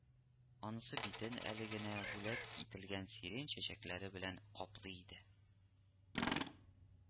Анысы битен әле генә бүләк ителгән сирень чәчәкләре белән каплый иде